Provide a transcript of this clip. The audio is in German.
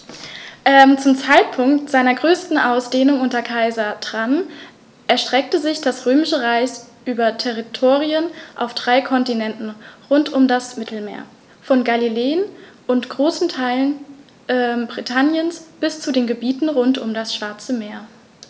Zum Zeitpunkt seiner größten Ausdehnung unter Kaiser Trajan erstreckte sich das Römische Reich über Territorien auf drei Kontinenten rund um das Mittelmeer: Von Gallien und großen Teilen Britanniens bis zu den Gebieten rund um das Schwarze Meer.